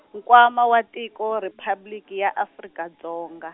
Nkwama wa Tiko Riphabliki ya Afrika Dzonga.